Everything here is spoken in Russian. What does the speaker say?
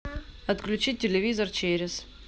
отключить телевизор через